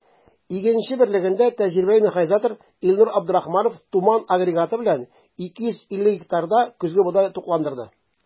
“игенче” берлегендә тәҗрибәле механизатор илнур абдрахманов “туман” агрегаты белән 250 гектарда көзге бодай тукландырды.